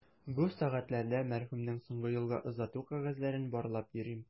Бу сәгатьләрдә мәрхүмнең соңгы юлга озату кәгазьләрен барлап йөрим.